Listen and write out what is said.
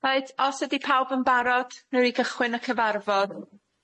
Reit os ydi pawb yn barod nawn ni gychwyn y cyfarfod.